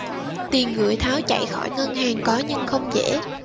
tiền gửi tháo chạy khỏi ngân hàng có nhưng không dễ